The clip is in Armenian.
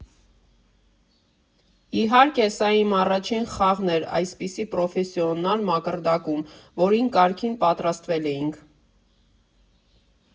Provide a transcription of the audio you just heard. Իհարկե, սա իմ առաջին խաղն էր այսպիսի պրոֆեսիոնալ մակարդակում, որին կարգին պատրաստվել էինք։